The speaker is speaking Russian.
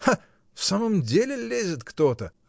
Ах, в самом деле, лезет кто-то.